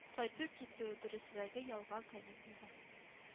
Кайту-китү, дөресрәге, ялга, каникулга,